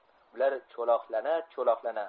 ular cho'loqlana cho'loqlana